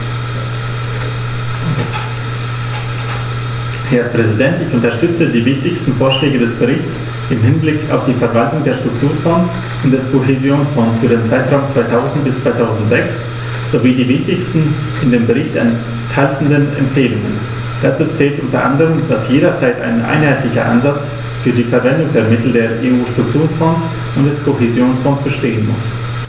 Herr Präsident, ich unterstütze die wichtigsten Vorschläge des Berichts im Hinblick auf die Verwaltung der Strukturfonds und des Kohäsionsfonds für den Zeitraum 2000-2006 sowie die wichtigsten in dem Bericht enthaltenen Empfehlungen. Dazu zählt u. a., dass jederzeit ein einheitlicher Ansatz für die Verwendung der Mittel der EU-Strukturfonds und des Kohäsionsfonds bestehen muss.